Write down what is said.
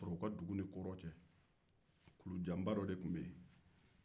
kulu janaba de tun bɛ u ka dugu ni kɔrɔn cɛ